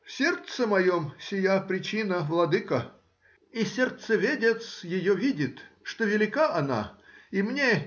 — В сердце моем сия причина, владыко, и сердцеведец ее видит, что велика она и мне.